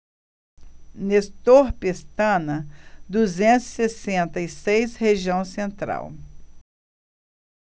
nestor pestana duzentos e sessenta e seis região central